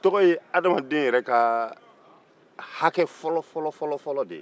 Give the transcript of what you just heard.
tɔgɔ ye hadamaden yɛrɛ ka hakɛ fɔlɔ-fɔlɔ de ye